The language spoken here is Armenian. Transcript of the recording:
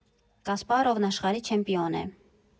Կասպարովն աշխարհի չեմպիոն է։